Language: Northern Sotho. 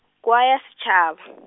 kwa ya setšhaba.